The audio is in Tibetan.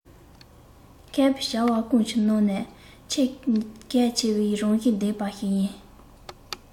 མཁས པའི བྱ བ ཀུན གྱི ནང ནས ཆེས གལ ཆེའི རང བཞིན ལྡན པ ཞིག ཡིན